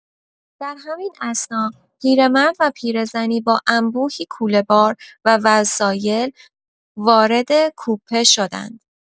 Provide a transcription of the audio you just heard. در همین اثنا پیر مرد و پیرزنی با انبوهی کوله‌بار و وسایل وارد کوپه شدند.